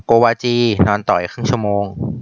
โกวาจีนอนต่ออีกครึ่งชั่วโมง